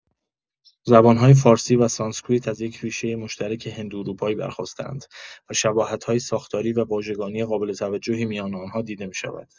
زبان‌های فارسی و سانسکریت از یک ریشه مشترک هندواروپایی برخاسته‌اند و شباهت‌های ساختاری و واژگانی قابل توجهی میان آن‌ها دیده می‌شود.